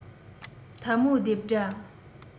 ཐལ མོའི རྡེབ སྒྲ